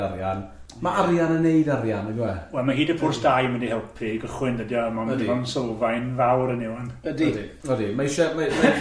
Ma arian yn neud arian, nagywe? Wel ma' Hyd y Pwrs dau yn mynd i helpu i gychwyn dydi o, ma'n mynd i bod yn sylfaen fawr i ni ŵan ydi ydi ydi ma' ishe ma' ishe,